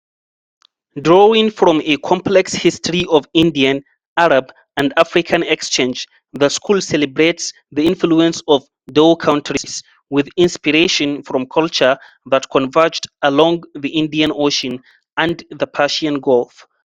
Drawing from a complex history of Indian, Arab and African exchange, the school celebrates the influence of "dhow countries", with inspiration from cultures that converged along the Indian Ocean and the Persian Gulf.